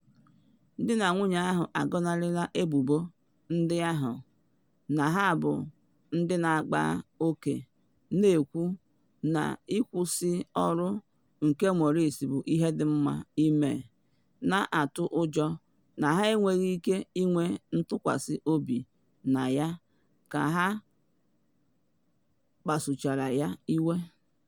Di na nwunye ahụ agọnarịla ebubo ndị ahụ na ha bụ ndị na akpa oke, na ekwu na ịkwụsị ọrụ nke Maurice bụ ihe dị mma ịme, na atụ ụjọ na ha enweghị ike ịnwe ntụkwasị obi na ya ka ha kpasuchara ya iwe.